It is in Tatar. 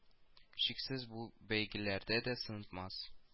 Шиксез, ул бу бәйгеләрдә дә сынатмас